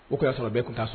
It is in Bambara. O y'a sɔrɔ bɛɛ tun taa so